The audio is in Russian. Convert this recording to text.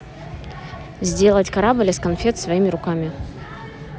сделать корабль из конфет своими руками